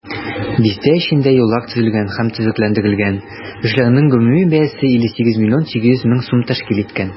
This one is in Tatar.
Бистә эчендә юллар төзелгән һәм төзекләндерелгән, эшләрнең гомуми бәясе 58,8 миллион сум тәшкил иткән.